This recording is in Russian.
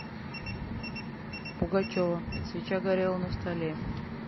пугачева свеча горела на столе